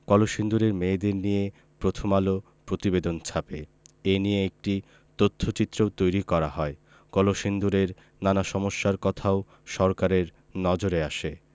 কলসিন্দুরের মেয়েদের নিয়ে প্রথম আলো প্রতিবেদন ছাপে এ নিয়ে একটি তথ্যচিত্রও তৈরি করা হয় কলসিন্দুরের নানা সমস্যার কথাও সরকারের নজরে আসে